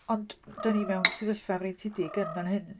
Ond dan ni mewn sefyllfa freintiedig yn fan hyn.